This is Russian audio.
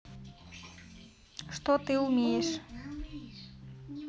что ты умнеешь